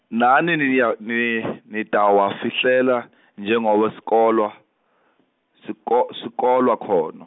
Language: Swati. nani niniya- ni- nitawafihlela, njengoba sikolwa, siko- sikolwa khona.